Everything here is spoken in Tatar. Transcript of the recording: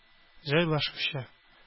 Җайлашучы